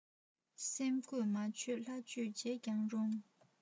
སེམས གོས མ ཆོད ལྷ ཆོས བྱས ཀྱང རུང